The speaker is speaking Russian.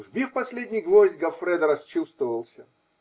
Вбив последний гвоздь, Гоффредо расчувствовался.